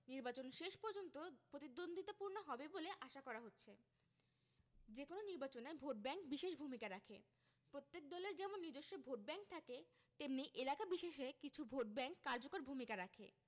শেষ পর্যন্ত প্রতিদ্বন্দ্বিতাপূর্ণ হবে বলে আশা করা হচ্ছে যেকোনো নির্বাচনে ভোটব্যাংক বিশেষ ভূমিকা রাখে প্রত্যেক দলের যেমন নিজস্ব ভোটব্যাংক থাকে তেমনি এলাকা বিশেষে কিছু ভোটব্যাংক কার্যকর ভূমিকা রাখে